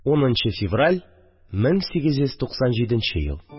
10 нчы февраль, 1897 ел